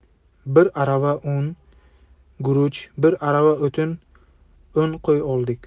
bir arava un guruch bir arava o'tin o'nta qo'y oldik